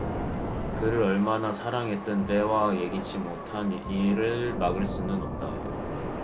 그를 얼마나 사랑했든 때와 예기치 못한 일을 막을 수는 없다